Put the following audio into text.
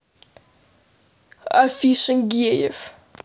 афиша геев